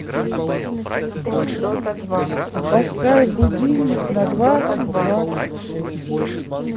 поставь будильник на двадцать двадцать шесть